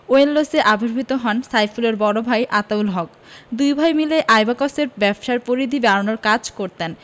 ওয়েলসে আবির্ভূত হন সাইফুলের বড় ভাই আতাউল হক দুই ভাই মিলে আইব্যাকসের ব্যবসার পরিধি বাড়ানোর কাজ করতেন